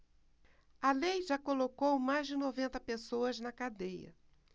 a lei já colocou mais de noventa pessoas na cadeia